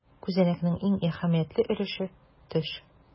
Күзәнәкнең иң әһәмиятле өлеше - төш.